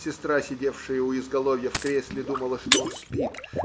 Сестра, сидевшая у изголовья в кресле, думала, что он спит.